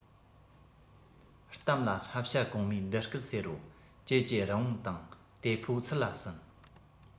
གཏམ ལ ལྷ བྱ གོང མོས འདི སྐད ཟེར རོ ཀྱེ ཀྱེ རི བོང དང དེ ཕོ ཚུར ལ གསོན